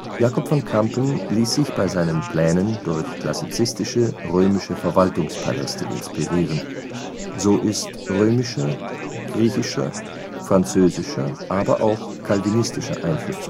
Jacob van Campen ließ sich bei seinen Plänen durch klassizistische römische Verwaltungspaläste inspirieren, so ist römischer, griechischer, französischer, aber auch calvinistischer Einfluss